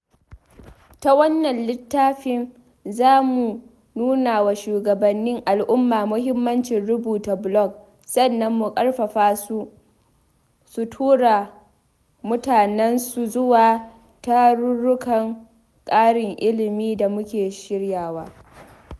Ta wannan littafin, za mu nunawa shugabannin al’umma muhimmancin rubuta blog, sannan mu ƙarfafa su, su tura mutanan su zuwa tarurrukan ƙarin ilimi da muke shiryawa.